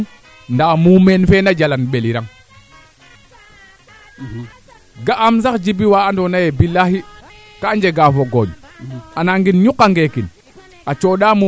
fada ndako ndeet faak madeeruna yo o nan a betandaxum nena mi maak we kaa ax ni roogu